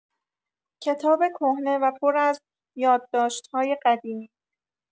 کتاب کهنه و پر از یادداشت‌های قدیمی